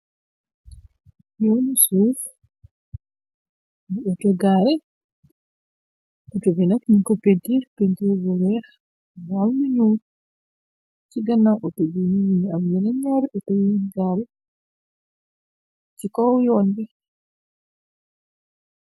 Yoonu sus bu auto gaare, autobinak ñi ko pintiir , pintir bu weex waal mu ñuul, ci gana autogini ni ab yena ñaari auto yun gaare ci kow yoon bi.